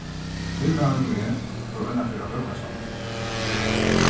vinmaðurin og eg fóru einaferð á bókasavnið